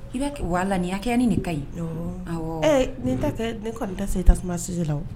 I bɛ walanya kɛ ni nin ka ɲi ne ne kɔni ta se e tasumasi la